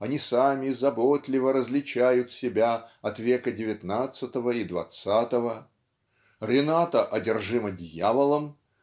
они сами заботливо различают себя от века девятнадцатого и двадцатого. Рената одержима дьяволом